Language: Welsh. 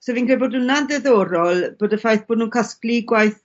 So fi'n gweud bod wnna'n ddiddorol bod y ffaith bo' nw'n casglu gwaith